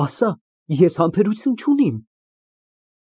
Ասա, ես համբերություն չունիմ։